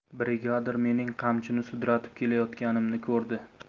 brigadir mening qamchini sudratib kelayotganimni ko'rdi